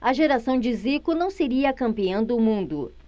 a geração de zico não seria campeã do mundo